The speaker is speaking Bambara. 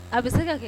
A bɛ se ka kɛ